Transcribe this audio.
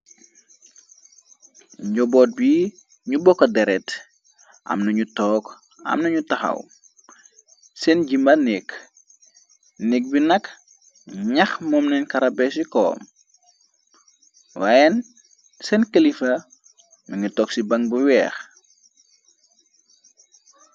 njoboot bi ñu bokk deret amnañu took amnañu taxaw seen jimba nekk nékk bi nak ñax, moomneen karabeeci koom waayeen seen kalifa mangi tog ci bang bu weex.